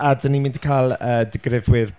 A dyn ni'n mynd i cael y digrifwyr...